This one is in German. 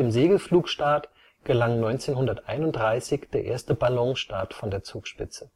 Segelflugstart gelang 1931 der erste Ballonstart von der Zugspitze